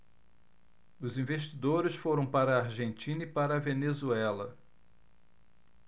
os investidores foram para a argentina e para a venezuela